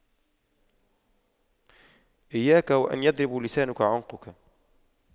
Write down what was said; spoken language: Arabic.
إياك وأن يضرب لسانك عنقك